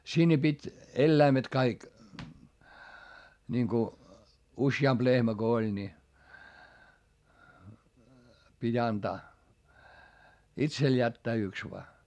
sinne piti eläimet kaikki niin kun useampi lehmä kun oli niin piti antaa itselle jättää yksi vain